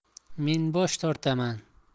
men bosh tortaman